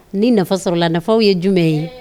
Ni nafa sɔrɔlala nafaw ye jumɛn ye